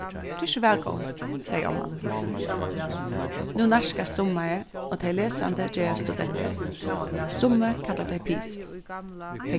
ger so væl góði segði omman nú nærkast summarið og tey lesandi gerast studentar summi kalla tey pisur